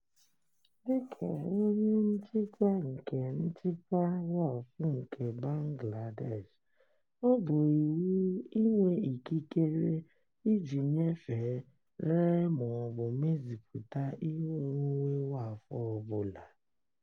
Dị ka onye nchịkwa nke Nchịkwa Waqf nke Bangladesh, ọ bụ iwu inwe ikikere iji nyefee, ree ma ọ bụ mezipụta ihe onwunwe Waqf ọ bula.